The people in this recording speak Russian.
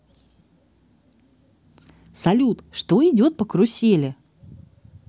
салют что идет по карусели